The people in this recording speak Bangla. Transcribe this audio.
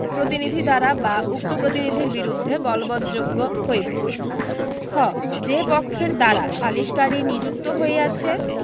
প্রতিনিধি দ্বারা বা উক্ত প্রতিনিধির বিরুদ্ধে বলবৎযোগ্য হইবে খ যে পক্ষের দ্বারা সালিসকারী নিযুক্ত হইয়াছে